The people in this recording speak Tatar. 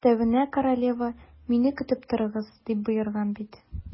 Өстәвенә, королева: «Мине көтеп торыгыз», - дип боерган бит.